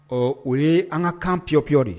Ɔ o ye an ka kan p pey de